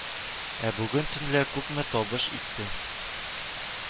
Ә бүген төнлә күпме табыш иттең